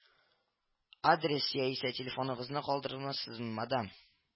— адрес яисә телефоныгызны калдырмасызмы, мадам